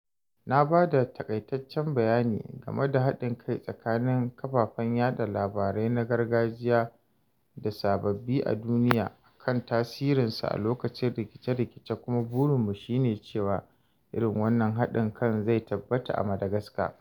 Na ba da taƙaitaccen bayani game da haɗin kai tsakanin kafafen yaɗa labarai na gargajiya da sababbi a duniya akan tasirinsu a lokacin rikice-rikice kuma burinmu shine cewa irin wannan haɗin kan zai tabbata a Madagascar.